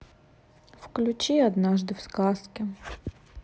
включи однажды в сказке